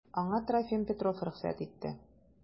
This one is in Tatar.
Аңа Трофим Петров рөхсәт итте.